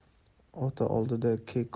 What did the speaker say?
ota oldida kek